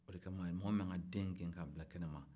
o de kaman mɔgɔ man kan ka den gɛn k'a bila kɛnɛma